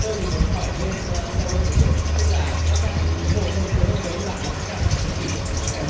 tôi thì muốn hỏi thêm sâu hơn một chút tức là tắc răng thì chỉ có một thôi thế hôm đấy bạn ở tắc răng hay là con khỉ ạ